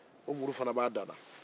o muru fana b'a dama